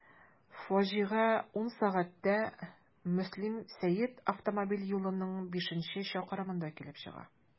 Фаҗига 10.00 сәгатьтә Мөслим–Сәет автомобиль юлының бишенче чакрымында килеп чыга.